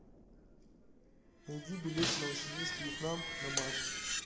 найди билеты новосибирск вьетнам на март